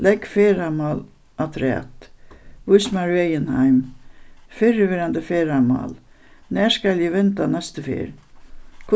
legg ferðamál afturat vís mær vegin heim fyrrverandi ferðamál nær skal eg venda næstu ferð